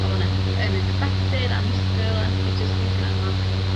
o'dd o'n un- yy unexpectedyn y annisgwyl a nes i jyst disgyn arno fo.